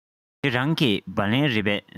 འདི རང གི སྦ ལན རེད པས